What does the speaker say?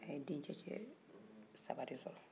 a ye dencɛ saba de sɔrɔ